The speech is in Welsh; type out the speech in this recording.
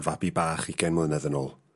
...fabi bach ugain mlynedd yn ôl.